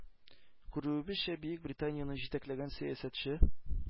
Күрүебезчә, Бөекбританияне җитәкләгән сәясәтче